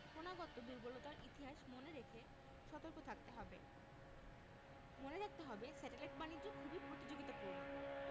পনাগত দূর্বলতার ইতিহাস মনে রেখে সতর্ক থাকতে হবে মনে রাখতে হবে স্যাটেলাইট বাণিজ্য খুবই প্রতিযোগিতাপূর্ণ